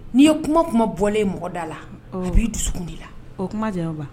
N'i ye kuma kuma bɔlen mɔgɔda la o b'i dusu de la o